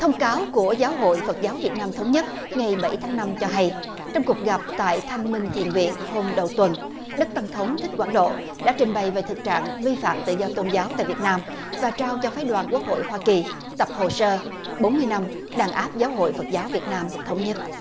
thông cáo của giáo hội phật giáo việt nam thống nhất ngày bảy tháng năm cho hay trong cuộc gặp tại thanh minh thiền viện hôm đầu tuần đức tăng thống thích quảng độ đã trình bày về thực trạng vi phạm tự do tôn giáo tại việt nam và trao cho phái đoàn quốc hội hoa kỳ tập hồ sơ bốn mươi năm đàn áp giáo hội phật giáo việt nam thống nhất